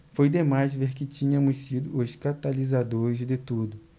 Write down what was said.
foi demais ver que tínhamos sido os catalisadores de tudo